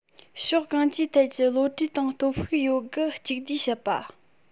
ཕྱོགས གང ཅིའི ཐད ཀྱི བློ གྲོས དང སྟོབས ཤུགས ཡོད དགུ གཅིག བསྡུས བྱེད པ